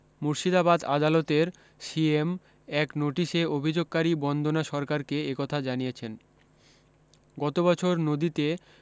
মুর্শিদাবাদ আদালতের সিজেএম এক নোটিসে অভি্যোগকারী বন্দনা সরকারকে একথা জানিয়েছেন গত বছর নদীতে